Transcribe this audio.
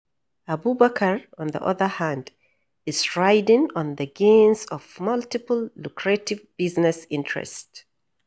Abubakar, on the other hand, is riding on the "gains" of "multiple lucrative business interests".